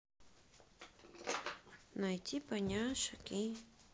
найти в поняшек и